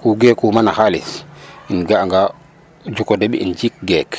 Ku geekuma no xaalis um ga'anga juk o deɓ um jik geek